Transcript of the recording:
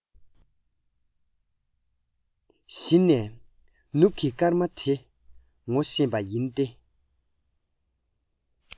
གཞི ནས ནུབ ཀྱི སྐར མ དེ ངོ ཤེས པ ཡིན ཏེ